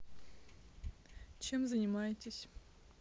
чем занимаетесь